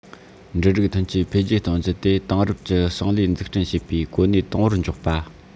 འབྲུ རིགས ཐོན སྐྱེད འཕེལ རྒྱས གཏོང རྒྱུ དེ དེང རབས ཀྱི ཞིང ལས འཛུགས སྐྲུན བྱེད པའི གོ གནས དང པོར འཇོག པ